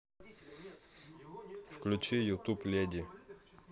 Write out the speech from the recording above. включи ютуб леди